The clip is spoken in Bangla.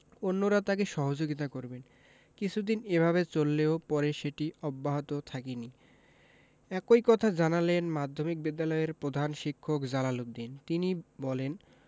অন্যরা তাঁকে সহযোগিতা করবেন কিছুদিন এভাবে চললেও পরে সেটি অব্যাহত থাকেনি একই কথা জানালেন মাধ্যমিক বিদ্যালয়ের প্রধান শিক্ষক জালাল উদ্দিন তিনি বলেন